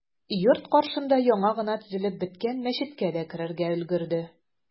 Йорт каршында яңа гына төзелеп беткән мәчеткә дә керергә өлгерде.